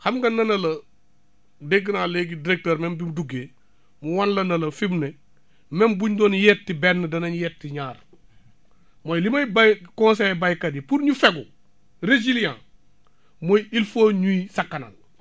xam nga nee naa la dégg naa léegi directeur même bi mu duggee mu wan na ne la fi mu ne même bu ñu doon yegg ci benn danañ yegg ci ñaar mooy li may bay conseillé baykat yi pour ñu fegu résiliant mooy il faut ñuy sakkanal